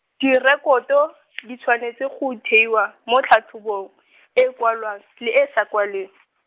Direkoto, di tshwanetse go theiwa mo tlhatlhobong, e e kwalwang, le e e sa kwalweng.